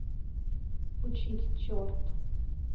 учить черт